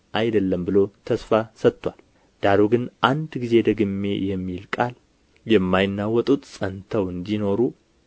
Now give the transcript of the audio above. አይደለም ብሎ ተስፋ ሰጥቶአል ዳሩ ግን አንድ ጊዜ ደግሜ የሚል ቃል የማይናወጡት ጸንተው እንዲኖሩ